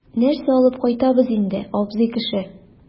Нәрсә алып кайтабыз инде, абзый кеше?